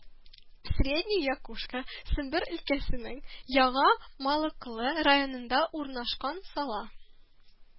Средняя Якушка Сембер өлкәсенең Яңа Малыклы районында урнашкан сала